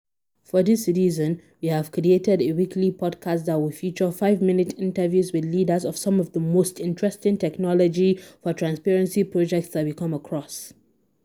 For this reason we have created a weekly podcast that will feature five-minute interviews with leaders of some of the most interesting technology for transparency projects that we come across.